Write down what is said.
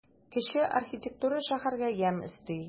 Кече архитектура шәһәргә ямь өсти.